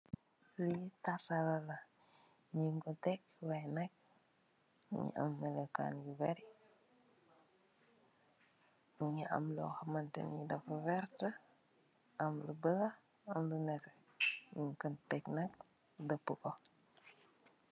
Li tasala la ,nyungko tek way nak mungi am melokaan yu bori , mungi am lo hamanteh ni dafa werta , am lu beuleu , am lu neteh , nyungko tek nak deupuko.